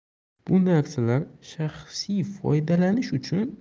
bu narsalar shaxsiy foydalanish uchun